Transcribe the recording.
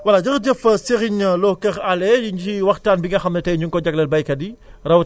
voilà jërëjëf Serigne Lo Kër Allé ñu ngi ci waxtaan bi nga xam ne tey ñu ngi ko jagleel béykat yi rawatina